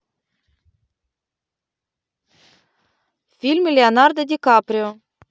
фильмы леонардо ди каприо